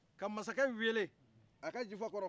ka mansakɛ weele a ka jufa kɔrɔ